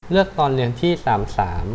เลือกตอนเรียนที่สามสาม